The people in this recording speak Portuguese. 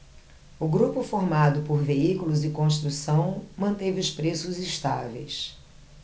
o grupo formado por veículos e construção manteve os preços estáveis